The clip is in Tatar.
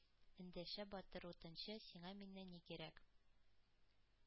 Эндәшә батыр утынчы: «Сиңа миннән ни кирәк?»